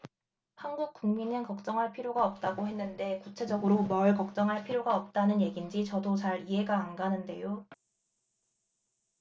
한국 국민은 걱정할 필요가 없다고 했는데 구체적으로 뭘 걱정할 필요가 없다는 얘긴지 저도 잘 이해가 안 가는데요